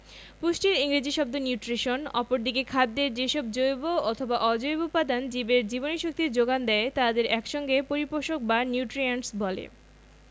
পুষ্টির ইংরেজি শব্দ নিউট্রিশন অপরদিকে খাদ্যের যেসব জৈব অথবা অজৈব উপাদান জীবের জীবনীশক্তির যোগান দেয় তাদের এক সঙ্গে পরিপোষক বা নিউট্রিয়েন্টস বলে